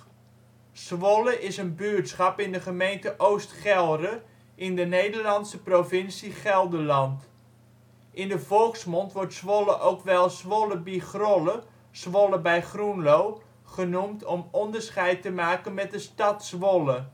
Zwolle is een buurtschap in de gemeente Oost Gelre, in de Nederlandse provincie Gelderland. In de volksmond wordt Zwolle ook wel Zwolle bi-j Grolle " Zwolle bie Grolle ": Zwolle bij Groenlo) genoemd om onderscheid te maken met de stad Zwolle